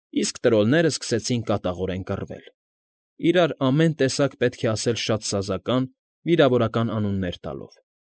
Իսկ տրոլներն սկսեցին կատաղորեն կռվել, իրար ամեն տեսակ, պետք է ասել շատ սազական, վիրավորական անուններ տալով։